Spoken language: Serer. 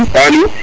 alo